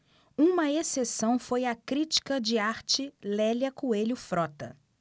uma exceção foi a crítica de arte lélia coelho frota